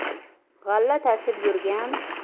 g'alla tashib yurgan